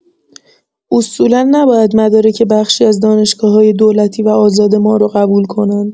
اصولا نباید مدارک بخشی از دانشگاه‌‌های دولتی و آزاد ما رو قبول کنند!